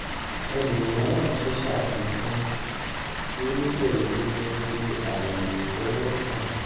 ẹlmiran tun ṣafikun: “Irufẹ ipolongo ailefọwọkan.”